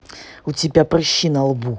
у тебя прыщи на лбу